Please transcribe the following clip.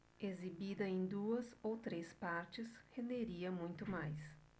exibida em duas ou três partes renderia muito mais